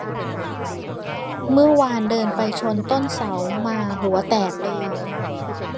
เมื่อวานเดินไปชนต้นเสามาหัวแตกเลย